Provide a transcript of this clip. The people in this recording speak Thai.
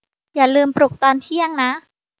อย่าลืมปลุกตอนเที่ยงนะ